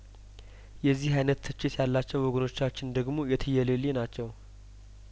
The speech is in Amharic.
የዚህ አይነት ትችት ያላቸው ወገኖቻችን ደግሞ የትየለሌ ናቸው